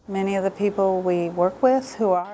me ni ơ bi bồ guy guốc cờ lít hu á